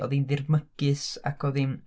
O'dd hi'n ddirmygus ac oedd hi'n...